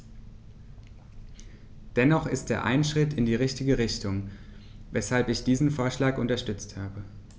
Dennoch ist er ein Schritt in die richtige Richtung, weshalb ich diesen Vorschlag unterstützt habe.